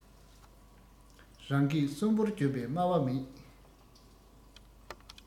རང སྐད སྲོང པོར བརྗོད པའི སྨྲ བ མེད